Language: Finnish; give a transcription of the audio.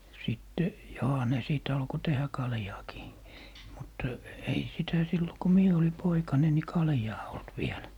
sitten johan ne sitten alkoi tehdä kaljaakin mutta ei sitä silloin kun minä oli poikanen niin kaljaa ollut vielä